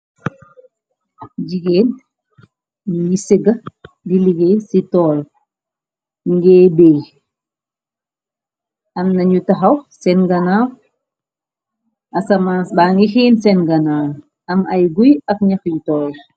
Jigéen gi séga di liggéey ci toll, ngéey béy am nañu taxaw seen ganaw. Asamans ba ngi xiin seen ganaw, am ay guy ak ñax yu tooy.